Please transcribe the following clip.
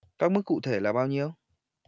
các mức cụ thể là bao nhiêu